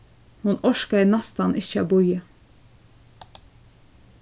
hon orkaði næstan ikki at bíða